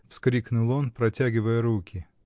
— вскрикнул он, протягивая руки.